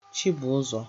Chibụzọ